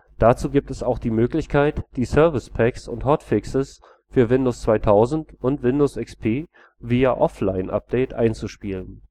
Dazu gibt es auch die Möglichkeit, die Service Packs und Hotfixes für Windows 2000 und Windows XP via „ Offline-Update “einzuspielen